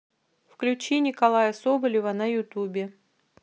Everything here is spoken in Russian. включи николая соболева на ютубе